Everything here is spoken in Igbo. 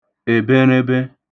èbeṙebe